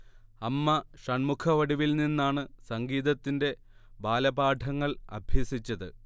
അമ്മ ഷൺമുഖവടിവിൽ നിന്നാണ് സംഗീതത്തിന്റെ ബാലപാഠങ്ങൾ അഭ്യസിച്ചത്